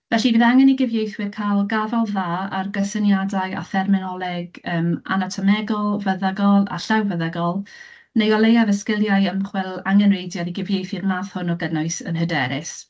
Felly bydd angen i gyfieithwyr cael gafael dda ar gysyniadau a therminoleg yym anatomegol, feddygol a llawfeddygol neu o leiaf y sgiliau ymchwil angenrheidiol i gyfieithu'r math hwn o gynnwys yn hyderus.